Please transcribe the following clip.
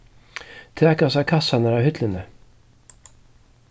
tak hasar kassarnar av hillini